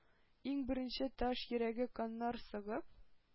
Иң беренче таш йөрәге каннар сыгып,